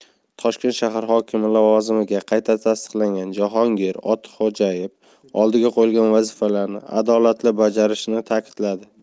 toshkent shahar hokimi lavozimiga qayta tasdiqlangan jahongir ortiqxo'jayev oldiga qo'yilgan vazifalarni adolatli bajarishini ta'kidladi